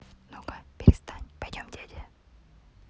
ну ка перестань пойдем дядя